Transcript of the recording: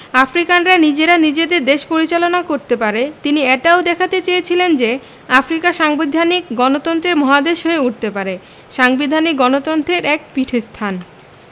আফ্রিকানরা নিজেরা নিজেদের দেশ পরিচালনা করতে পারে তিনি এটাও দেখাতে চেয়েছিলেন যে আফ্রিকা সাংবিধানিক গণতন্ত্রের মহাদেশ হয়ে উঠতে পারে সাংবিধানিক গণতন্ত্রের এক পীঠস্থান